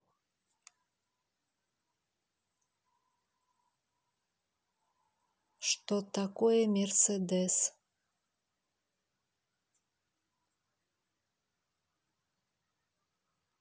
что такое мерседес